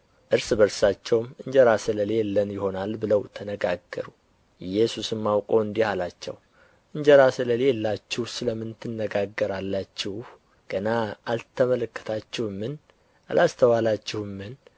እርስ በርሳቸውም እንጀራ ስለሌለን ይሆናል ብለው ተነጋገሩ ኢየሱስም አውቆ እንዲህ አላቸው እንጀራ ስለሌላችሁ ስለ ምን ትነጋገራላችሁ ገና አልተመለከታችሁምን አላስተዋላችሁምን